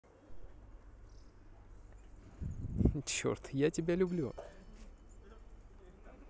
черт я тебя люблю